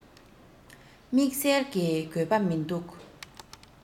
དམིགས བསལ གྱི དགོས པ མིན འདུག